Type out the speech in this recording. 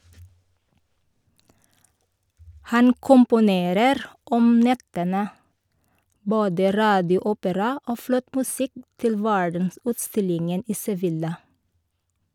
Han komponerer om nettene - både radioopera og flott musikk til verdensutstillingen i Sevilla.